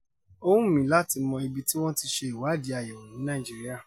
Ó hùn mí láti mọ IBI tí wọ́n ti ṣe ìwádìí-àyẹ̀wò yìí ní Nàìjíríà.